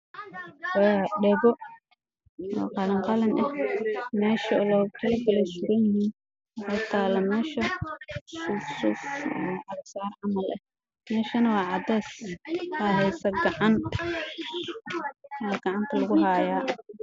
Waa dhago midabkoodu yahay caddaan gacan haysta